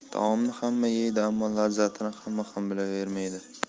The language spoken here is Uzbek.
taomni hamma yeydi ammo lazzatini hamma ham bilavermaydi